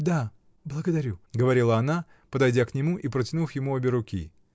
— Да. благодарю, — говорила она, подойдя к нему и протянув ему обе руки.